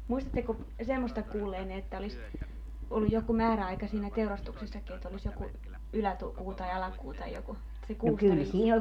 muistatteko semmoista kuulleenne että olisi ollut joku määräaika siinä teurastuksessakin että olisi joku yläkuu tai alakuu tai joku että se kuusta riippuisi